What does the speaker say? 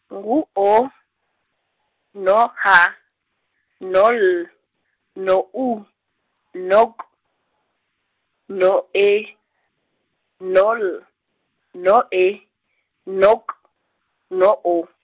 ngu O, no H, no L, no U, no K, no E, no L, no E, no K, no O.